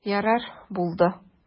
Ярар, булды.